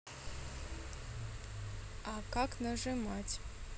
а как нажимать